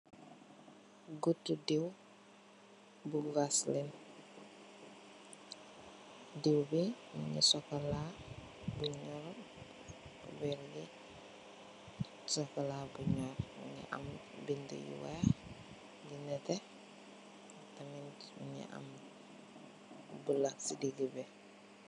Guttu diiw bu vaseline, diiw bi mungi sokola bu nurot. Cubèr bi sokola bu nurr nungi am bindi yu weeh, yu nètè ak tamit mungi am bulo ci digi bi.